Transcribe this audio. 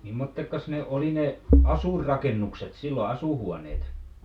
mimmoiset ne oli ne asuinrakennukset silloin asuinhuoneet